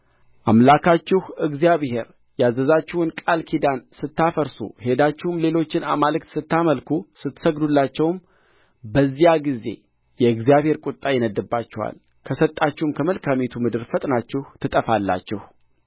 አምላካችሁ እግዚአብሔር ያዘዛችሁን ቃል ኪዳን ስታፈርሱ ሄዳችሁም ሌሎችን አማልክት ስታመልኩ ስትሰግዱላቸውም በዚያ ጊዜ የእግዚአብሔር ቍጣ ይነድድባችኋል ከሰጣችሁም ከመልካሚቱ ምድር ፈጥናችሁ ትጠፋላችሁ